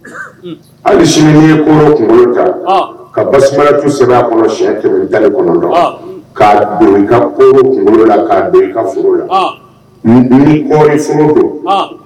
Hali sini ye koro ta ka ba tu sɛbɛn kɔnɔ si dalen kɔnɔ kaka kunkolo la k' foro laɔri f don